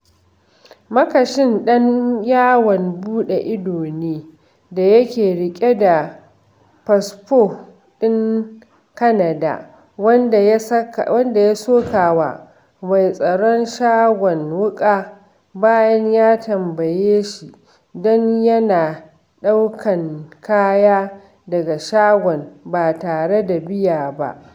Makashin ɗan yawon buɗe ido ne da yake riƙe da fasfo ɗin Kanada, wanda ya soka wa mai tsaron shagon wuƙa bayan ya tambaye shi don yana ɗaukan kaya daga shagon ba tare da biya ba.